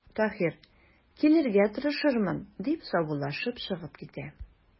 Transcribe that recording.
Таһир:– Килергә тырышырмын,– дип, саубуллашып чыгып китә.